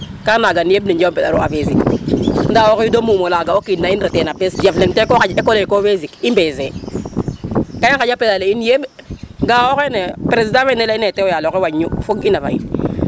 ka nanan yemb nen njapi a fesik nda o xido muum naga o kin na in rete na pees ko xaƴ ecole le ko fesik i mbese ka i ŋaƴapesale in yeɓ ga a o xene president fene ley ina ye te yaloxe wañu fog ina fo in